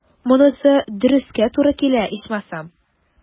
Монысы дөрескә туры килә, ичмасам.